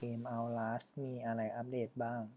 เกมจั้มฟอสมีอะไรอัปเดตบ้าง